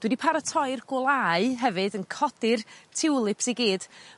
dwi 'di paratoi'r gwlau hefyd yn codi'r tulips i gyd